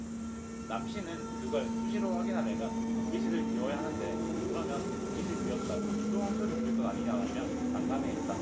남씨는 그걸 수시로 확인하려면 경비실을 비워야 하는데 그러면 경비실 비웠다고 또 한 소리 들을 것 아니냐라며 난감해했다